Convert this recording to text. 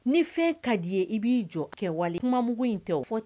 Ni fɛn ka di i b'i jɔ kɛ wali kuma mugu in tɛ